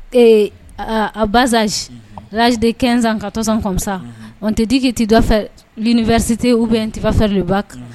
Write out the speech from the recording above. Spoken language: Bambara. Ee aaa a ba laadi kɛsan ka tosan kɔmisa ntɛtigiki tɛ dɔ fɛ site u bɛ n tɛbafɛba kan